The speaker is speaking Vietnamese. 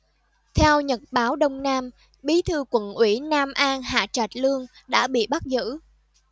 theo nhật báo đông nam bí thư quận ủy nam an hạ trạch lương đã bị bắt giữ